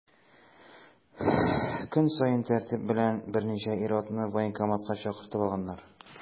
Көн саен тәртип белән берничә ир-атны военкоматка чакыртып алганнар.